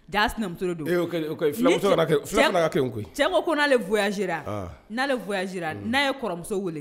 Jaa sinamuso don cɛ ko n'ale n'ale n'a yemuso weele